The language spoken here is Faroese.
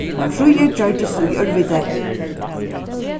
men fríði gjørdist í ørviti